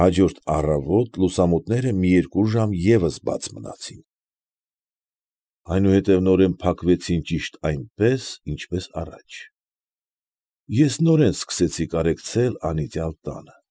Հաջորդ առավոտ լուսամուտները մի երկու ժամ ևս բաց մնացին, այնուհետև նորեն փակվեցին ճիշտ այնպես, ինչպես առաջ, ես նորեն սկսեցի կարեկցել անիծյալ տանը։